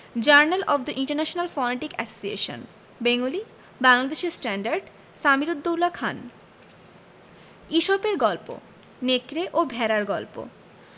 journal of the international phonetic association Bengali Bangladeshi standard Samir ud Daula Khan ইসপের গল্প নেকড়ে ও ভেড়ার গল্প